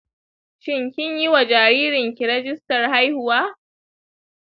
shi kin yi wa jaririnki rijistar haihuwa?